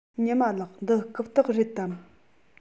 ཉི མ ལགས འདི རྐུབ སྟེགས རེད དམ